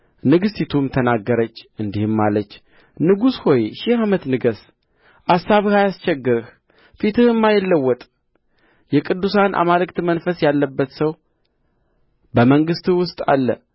ንግሥቲቱም ተናገረች እንዲህም አለች ንጉሥ ሆይ ሺህ ዓመት ንገሥ አሳብህ አያስቸግርህ ፊትህም አይለወጥ የቅዱሳን አማልክት መንፈስ ያለበት ሰው በመንግሥትህ ውስጥ አለ